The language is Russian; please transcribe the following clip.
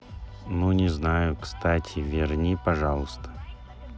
ну не знаю кстати верни пожалуйста